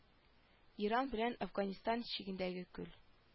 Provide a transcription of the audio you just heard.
Иран белән әфганстан чигендәге күл